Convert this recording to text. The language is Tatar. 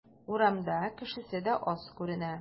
Урамда кешесе дә аз күренә.